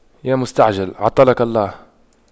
يا مستعجل عطلك الله